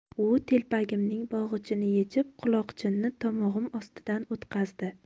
u telpagimning bog'ichini yechib quloqchinni tomog'im ostidan o'tqazdi